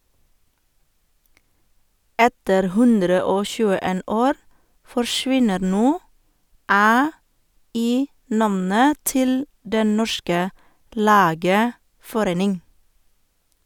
Etter 121 år forsvinner nå "æ" i navnet til Den norske lægeforening.